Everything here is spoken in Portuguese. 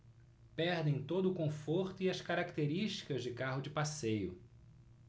perdem todo o conforto e as características de carro de passeio